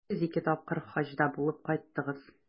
Сез ике тапкыр Хаҗда булып кайттыгыз.